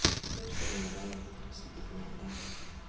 надежда умирает последняя да